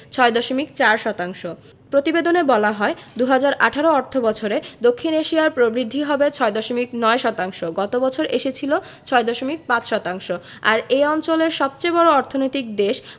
৬.৪ শতাংশ প্রতিবেদনে বলা হয় ২০১৮ অর্থবছরে দক্ষিণ এশিয়ায় প্রবৃদ্ধি হবে ৬.৯ শতাংশ গত বছর এসেছিল ৬.৫ শতাংশ আর এ অঞ্চলের সবচেয়ে বড় অর্থনৈতিক দেশ